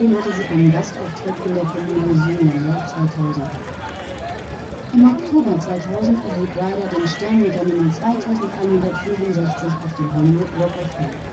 hatte sie einen Gastauftritt in der Komödie Zoolander (2000). Im Oktober 2000 erhielt Ryder den Stern mit der Nummer 2.165 auf dem Hollywood Walk of Fame